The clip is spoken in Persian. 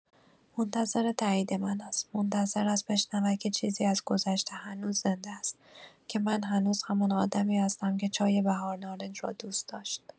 منتظر تایید من است، منتظر است بشنود که چیزی از گذشته هنوز زنده است، که من هنوز همان آدمی هستم که چای بهارنارنج را دوست داشت.